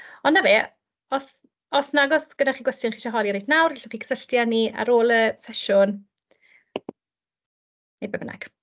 Ond 'na fe, os os nag oes gynnoch chi gwestiwn chi isie holi reit nawr, gallwch chi gysylltu â ni ar ôl y sesiwn, neu be bynnag.